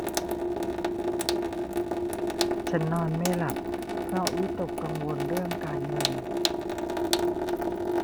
ฉันนอนไม่หลับเพราะวิตกกังวลเรื่องการเงิน